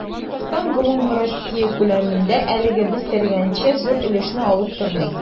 Татарстан гомумроссия күләмендә, әлегә без теләгәнчә, зур өлешне алып тормый.